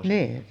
niin